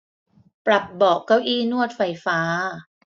ปรับเบาะเก้าอี้นวดไฟฟ้า